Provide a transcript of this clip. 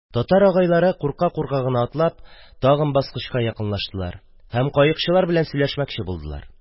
Татар агайлары, курка-курка гына атлап, тагын баскычка якынлаштылар һәм каекчылар белән сөйләшмәкче булдылар